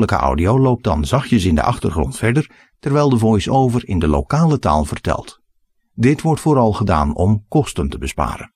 audio loopt dan zachtjes in de achtergrond verder terwijl de voice-over in de lokale taal vertelt. Dit wordt vooral gedaan om kosten te besparen